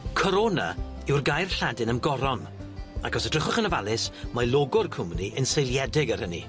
Corona yw'r gair Lladin am goron, ac os edrychwch yn ofalus mae logo'r cwmni yn seiliedig ar hynny.